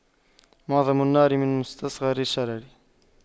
معظم النار من مستصغر الشرر